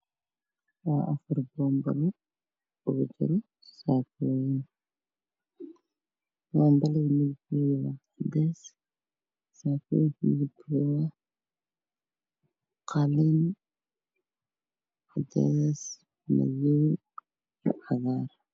Waa afar boonbale oo sariir saaran boonbalaha midabkoodu waa cadeys qalin cadey ah madow io cagaar